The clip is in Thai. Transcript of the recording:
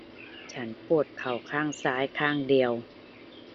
ฉันปวดหัวข้างซ้ายข้างเดียว